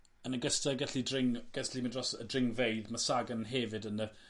yn ogystal â gallu dring- gallu mynd dros y dringfeydd ma' Sagan hefyd yn y